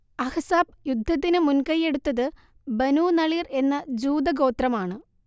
അഹ്‌സാബ് യുദ്ധത്തിന് മുൻകൈയ്യെടുത്തത് ബനുനളീർ എന്ന ജൂതഗോത്രമാണ്